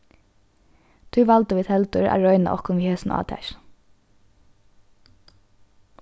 tí valdu vit heldur at royna okkum við hesum átakinum